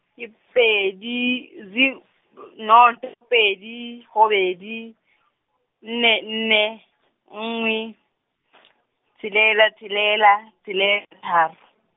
ke pedi, zer- noto pedi, robedi, nne nne , nngwe , tshelela tshelela, tshelela tharo.